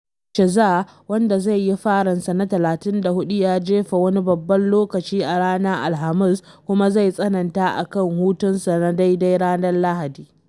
Scherzer, wanda zai yi farinsa na 34, ya jefa wani babban lokaci a ranar Alhamis kuma zai tsananta a kan hutunsa na daidai ranar Lahadi.